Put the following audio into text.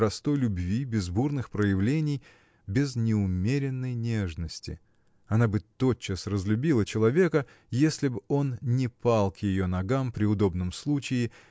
простой любви без бурных проявлений без неумеренной нежности. Она бы тотчас разлюбила человека если б он не пал к ее ногам при удобном случае